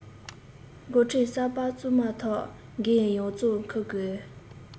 འགོ ཁྲིད གསར པ བཙུགས མ ཐག འགན ཡོངས རྫོགས འཁུར དགོས